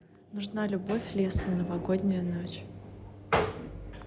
нужна любовь лесом новогодняя ночь